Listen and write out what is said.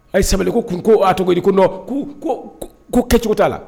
A ye sabali ko kun, ko a tɔgɔ di, ko dɔn ko ko ko kɛcogo t'a la